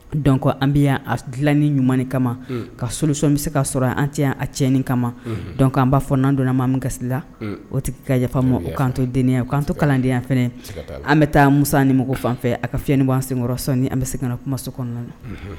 Dɔn kɔ an bɛ dilan ni ɲumannin kama ka sosɔ bɛ se ka sɔrɔ an tɛ a tiɲɛni kamac an b'a fɔ n an donna maa min kasisila o tigi ka yafa ma o kan deni o kan to kalandenya fana an bɛ taa musa nimɔgɔ fan fɛ a ka fiɲɛyɛnani bɔan senkɔrɔ sɔ an bɛ se ka na kumaso kɔnɔna na